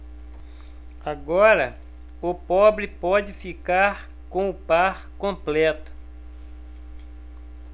agora o pobre pode ficar com o par completo